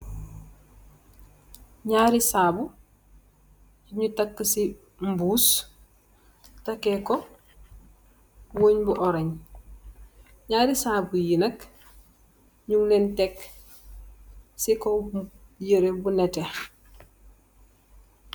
Ñaari sabu yi ñu takka ci mbuus takeh ko wéñ bu oran, ñaari sabu yi nak ñung lèèn tek ci kaw yirèh bu netteh .